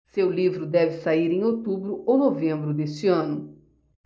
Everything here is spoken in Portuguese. seu livro deve sair em outubro ou novembro deste ano